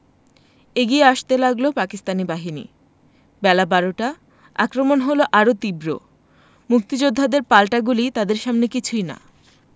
এগিয়ে আসতে লাগল পাকিস্তানি বাহিনী বেলা বারোটা আক্রমণ হলো আরও তীব্র মুক্তিযোদ্ধাদের পাল্টা গুলি তাদের সামনে কিছুই না